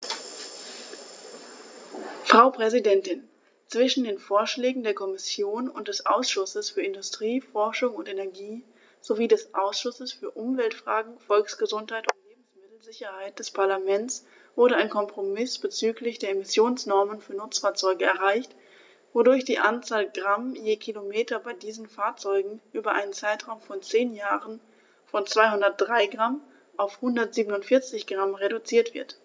Frau Präsidentin, zwischen den Vorschlägen der Kommission und des Ausschusses für Industrie, Forschung und Energie sowie des Ausschusses für Umweltfragen, Volksgesundheit und Lebensmittelsicherheit des Parlaments wurde ein Kompromiss bezüglich der Emissionsnormen für Nutzfahrzeuge erreicht, wodurch die Anzahl Gramm je Kilometer bei diesen Fahrzeugen über einen Zeitraum von zehn Jahren von 203 g auf 147 g reduziert wird.